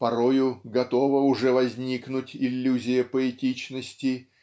Порою готова уже возникнуть иллюзия поэтичности